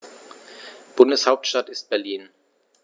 Bundeshauptstadt ist Berlin.